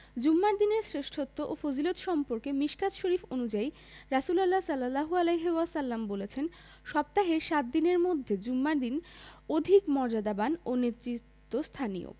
জুমার দিনের শ্রেষ্ঠত্ব ও ফজিলত সম্পর্কে মিশকাত শরিফ অনুযায়ী রাসুলুল্লাহ সা বলেছেন সপ্তাহের সাত দিনের মধ্যে জুমার দিন অধিক মর্যাদাবান ও নেতৃত্বস্থানীয়